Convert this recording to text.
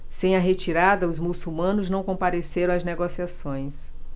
sem a retirada os muçulmanos não compareceram às negociações